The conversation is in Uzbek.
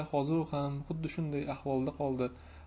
hozir u ham xuddi shunday ahvolda qoldi